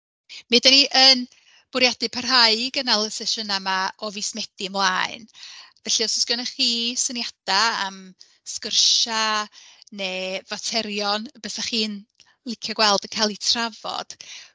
Mi dan ni'n bwriadu parhau i gynnal y sesiynau 'ma o fis Medi ymlaen, felly os oes gynnoch chi syniadau am sgwrsiau neu faterion bysach chi'n licio gweld yn cael eu trafod...